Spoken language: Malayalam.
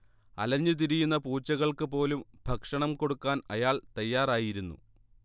അലഞ്ഞ് തിരിയുന്ന പൂച്ചകൾക്ക് പോലും ഭക്ഷണം കൊടുക്കാൻ അയാൾ തയ്യാറായിരുന്നു